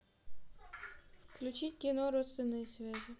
включить кино родственные связи